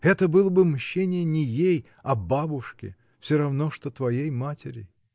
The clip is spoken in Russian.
это было бы мщение не ей, а бабушке, всё равно что твоей матери!.